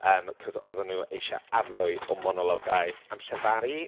yym, 'cos oedden nhw eisiau arlwy o monologau am llefaru?